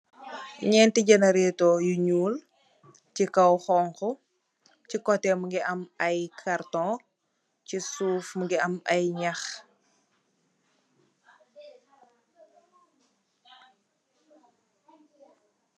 Njenti generator yu njull, cii kaw khonku, chi coteh mungy am aiiy karton, cii suff mungy am aiiy njahh.